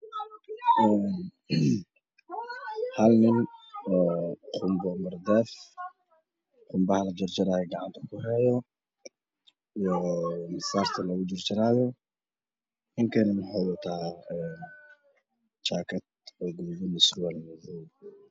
Nin oo qubo mardaf gacant kuhayan iyo masar dharka kalara kisi waa gadud iyo madow